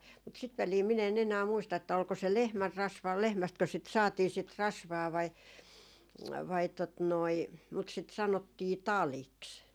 mutta sitä väliä minä en enää muista että oliko se lehmänrasvaa lehmästäkö sitä saatiin sitä rasvaa vai vai tuota noin mutta sitä sanottiin taliksi